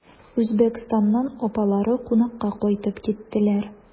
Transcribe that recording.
Үзбәкстаннан апалары кунакка кайтып киттеләр.